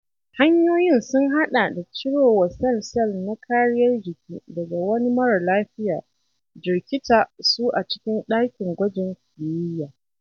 Hanyoyin sun haɗa da cirowa sel-sel na kariyar jikin daga wani marar lafiya, jirkita su a cikin ɗakin gwajin kimiyya